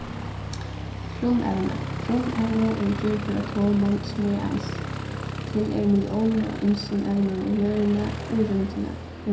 frumevni frumevni eru gjørd úr atomum sum eru eins til eru milliónir av ymiskum evnum á jørðini og í rúmdini